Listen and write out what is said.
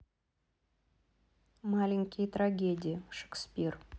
маленькие трагедии шекспир